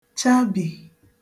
chabì